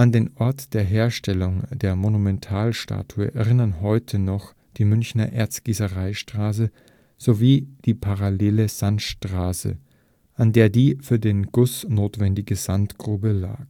den Ort der Herstellung der Monumentalstatue erinnern heute noch die Münchner Erzgießereistraße sowie die parallele Sandstraße, an der die für den Guss notwendige Sandgrube lag